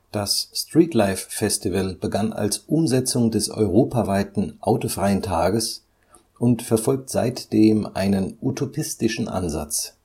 Das Streetlife Festival begann als Umsetzung des europaweiten autofreien Tages und verfolgt seitdem einen utopistischen Ansatz